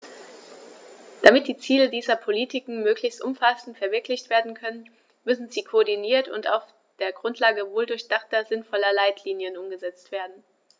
Damit die Ziele dieser Politiken möglichst umfassend verwirklicht werden können, müssen sie koordiniert und auf der Grundlage wohldurchdachter, sinnvoller Leitlinien umgesetzt werden.